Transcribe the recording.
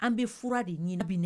An bi fura de ɲini